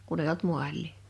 kun ei ollut maalia